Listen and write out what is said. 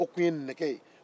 o tun ye nɛgɛ ye